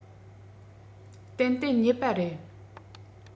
ཏན ཏན རྙེད པ རེད